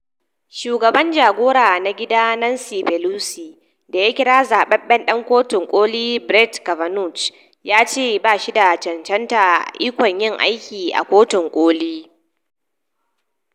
Shugaban Jagora na gida Nancy Pelosi da ya kira zababben dan Kotun Koli Brett Kavanaugh, ya ce "ba shi da cancanta ikon yin aiki a Kotun Koli.